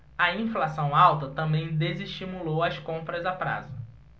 a inflação alta também desestimulou as compras a prazo